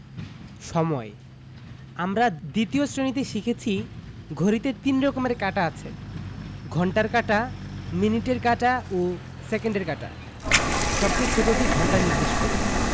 সময়ঃ আমরা ২য় শ্রেণিতে শিখেছি ঘড়িতে ৩ রকমের কাঁটা আছে ঘণ্টার কাঁটা মিনিটের কাঁটা ও সেকেন্ডের কাঁটা সবচেয়ে ছোটটি ঘন্টা নির্দেশ করে